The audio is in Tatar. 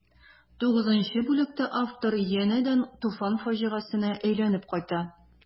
Тугызынчы бүлектә автор янәдән Туфан фаҗигасенә әйләнеп кайта.